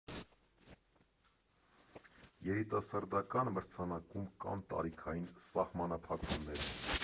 Երիտասարդական մրցանակում կան տարիքային սահմանափակումներ։